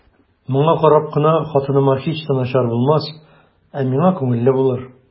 Моңа карап кына хатыныма һич тә начар булмас, ә миңа күңелле булыр.